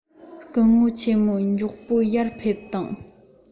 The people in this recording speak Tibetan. སྐུ ངོ ཆེན མོ མགྱོགས པོ ཡར ཕེབས དང